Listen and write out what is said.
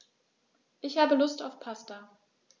Ich habe Lust auf Pasta.